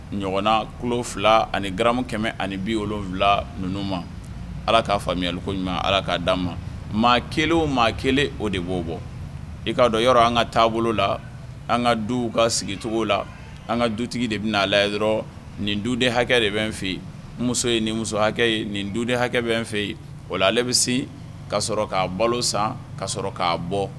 Ɲɔgɔnna tulo fila ani ga kɛmɛ ani bi oluwula ninnu ma ala k'a faamuyayako ɲuman ala k'a d di an ma maa kelen o maa kelen o de b'o bɔ i kaa dɔn yɔrɔ an ka taabolo la an ka du ka sigicogo la an ka dutigi de bɛ'a la nin duden hakɛ de bɛ fɛ yen muso ye nin muso hakɛ nin du hakɛ bɛ n fɛ yen o ale bɛ se k ka sɔrɔ k kaa balo san ka sɔrɔ k'a bɔ